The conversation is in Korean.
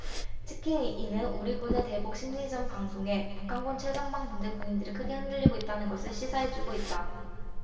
특히 이는 우리 군의 대북 심리전방송에 북한군 최전방부대 군인들이 크게 흔들리고 있다는 것을 시사해주고 있다